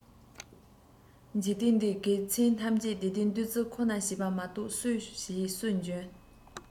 འཇིག རྟེན འདིའི དགེ མཚན ཐམས ཅད བདེ ལྡན བདུད རྩི ཁོ ནས བྱས པ མ གཏོགས སུས བྱས སུས འཇོན